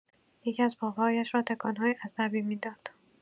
یکی ازپاهایش را تکان‌هایی عصبی می‌داد.